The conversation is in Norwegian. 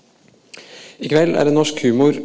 i kveld er det norsk humor.